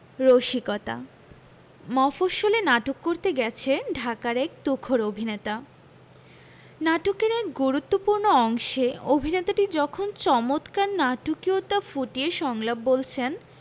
রসিকতা মফশ্বলে নাটক করতে গেছে ঢাকার এক তুখোর অভিনেতা নাটকের এক গুরুত্তপূ্র্ণ অংশে অভিনেতাটি যখন চমৎকার নাটকীয়তা ফুটিয়ে সংলাপ বলছেন